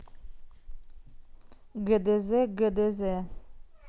гдз гдз